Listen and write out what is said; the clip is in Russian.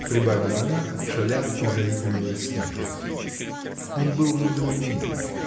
— прибавила она, шаля и заигрывая с ним. Он был в недоумении.